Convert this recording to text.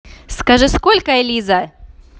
скажи сколько элиза